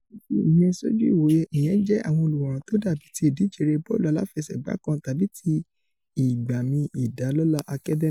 Láti fi ìyẹn sójú ìwòye, ìyẹn jẹ́ ìwọn olùwòran tó dàbí ti ìdíje eré bọ́ọ̀lù aláàfẹ̵sẹ̀gbá kan tàbí ti Ìgbàmì-ìdálólá Academy.